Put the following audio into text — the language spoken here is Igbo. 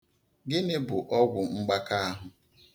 Gịnị bụ ọgwụ mgbaka ahụ?